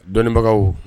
Dɔɔninbagaw